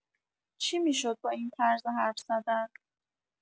چی می‌شد با این طرز حرف‌زدن؟